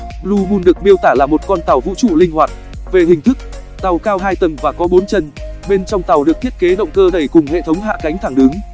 blue moon được miêu tả là một con tàu vũ trụ linh hoạt về hình thức tàu cao tầng và có chân bên trong tàu được thiết kế động cơ đẩy cùng hệ thống hạ cánh thẳng đứng